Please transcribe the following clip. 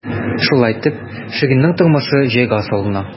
Шулай итеп, Ширинның тормышы җайга салына.